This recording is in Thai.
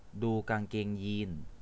ดูกางเกงยีนส์